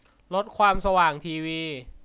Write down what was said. ลดความสว่างทีวี